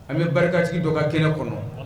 An bɛ barikasigi dɔ ka kɛɲɛ kɔnɔ